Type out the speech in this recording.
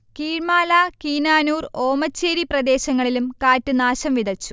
കീഴ്മാല, കിനാനൂർ, ഓമച്ചേരി പ്രദേശങ്ങളിലും കാറ്റ് നാശംവിതച്ചു